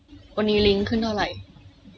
วันนี้ลิ้งขึ้นเท่าไหร่